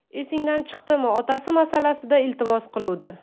esingdan chiqdimi otasi masalasida iltimos qiluvdi